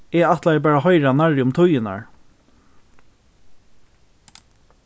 eg ætlaði bara at hoyra nærri um tíðirnar